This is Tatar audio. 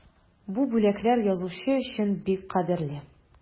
Бу бүләкләр язучы өчен бик кадерле.